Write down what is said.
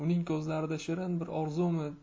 uning ko'zlarida shirin bir orzumi